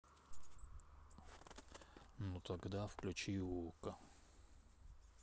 ну тогда включи окко